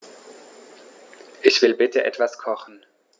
Ich will bitte etwas kochen.